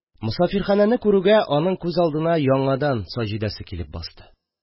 Мосафирхәнәне күрүгә, аның күз алдына яңадан Саҗидәсе килеп басты.